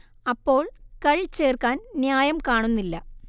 അപ്പോൾ കൾ ചേർക്കാൻ ന്യായം കാണുന്നില്ല